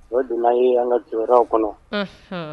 O donna ye an ka jɔyɔrɔw kɔnɔ